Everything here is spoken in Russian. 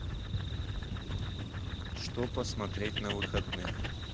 что посмотреть на выходных